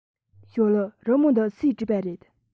ཞོའོ ལིའི རི མོ འདི སུས བྲིས པ རེད